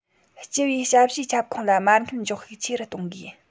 སྤྱི པའི ཞབས ཞུའི ཁྱབ ཁོངས ལ མ དངུལ འཇོག ཤུགས ཆེ རུ གཏོང དགོས